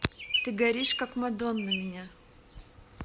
ты горишь как madonna меня